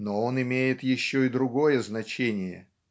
но он имеет еще и другое значение.